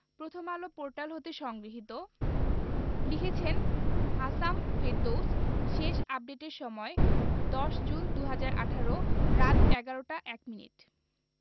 Prothom Alo portal হতে সংগৃহীত লিখেছেন হাসাম ফেরদৌস শেষ আপডেটের সময় ১০ জুন ২০১৮ রাত ১১টা ১ মিনিট